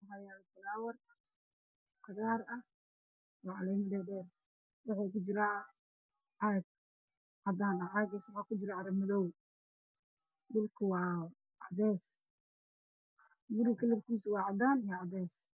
Waa falaawar cagaar ah oo caleemo dhaadheer leh waxuuna kujiraa caag cadaan ah waxaa ku sii jiro carro madow, dhulkana waa cadaan iyo cadeys.